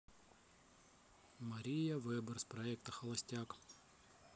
мария вебер с проекта холостяк